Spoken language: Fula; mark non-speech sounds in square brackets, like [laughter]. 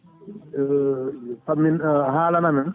[hesitation] fammin a halana men